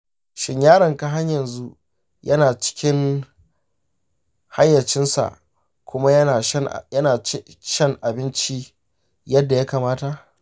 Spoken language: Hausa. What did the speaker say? shin yaranka har yanzu yana cikin hayyacinsa kuma yana shan abinci yadda ya kamata?